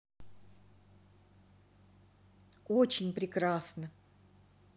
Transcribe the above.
очень прекрасно